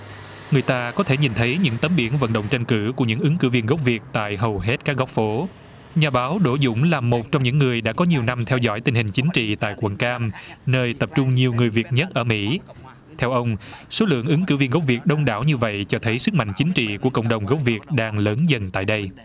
người ta có thể nhìn thấy những tấm biển vận động tranh cử của những ứng cử viên gốc việt tại hầu hết các góc phố nhà báo đỗ dũng là một trong những người đã có nhiều năm theo dõi tình hình chính trị tại quận cam nơi tập trung nhiều người việt nhất ở mỹ theo ông số lượng ứng cử viên gốc việt đông đảo như vậy cho thấy sức mạnh chính trị của cộng đồng gốc việt đang lớn dần tại đây